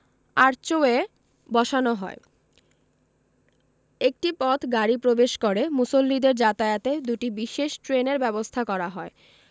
archway বসানো হয় একটি পথ গাড়ি প্রবেশ করে মুসল্লিদের যাতায়াতে দুটি বিশেষ ট্রেনের ব্যবস্থা করা হয়